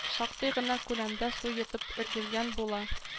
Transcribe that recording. Шактый гына күләмдә су йотып өлгергән була